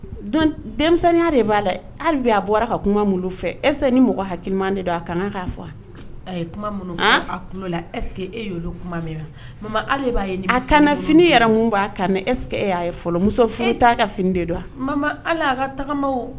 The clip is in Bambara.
Dɔn denmisɛnninya de b'a labi a bɔra ka kuma fɛ esa ni mɔgɔ hakilikilima de don a kana ka fɔ a ye a la esseke e kuma min b'a a kana fini yɛrɛ b'a ka eseke e ye muso e taa ka fini don ka